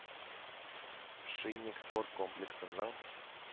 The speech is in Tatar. «шинник» спорт комплексының